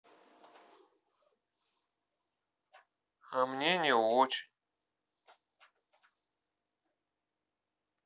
а мне не очень